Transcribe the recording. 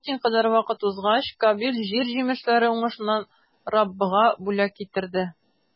Берникадәр вакыт узгач, Кабил җир җимешләре уңышыннан Раббыга бүләк китерде.